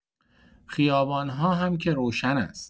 خیابان‌ها هم که روشن است.